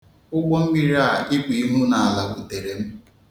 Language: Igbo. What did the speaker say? Ụgbọmmiri a ikpu ihu n'ala wutere m.